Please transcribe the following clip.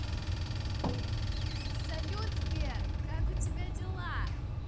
салют сбер как у тебя дела